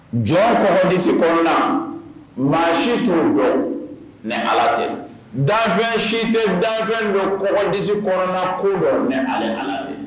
Jɔ kɔrɔ disiɔrɔnla ma si tun don ala tɛ dafɛn si tɛ dafɛn don kɔ disi kɔrɔla ko dɔ ala